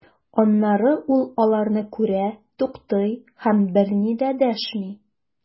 Аннары ул аларны күрә, туктый һәм берни дәшми.